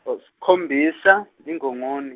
-os sikhombisa Ingongoni.